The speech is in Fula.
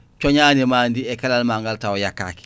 cooñadi ma ndi e keelal ma ngal tawa yakkaki